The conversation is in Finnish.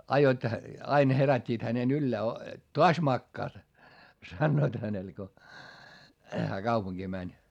ajoivat aina herättivät hänen ylös - taas makaat sanoivat hänelle kun hän kaupunkiin meni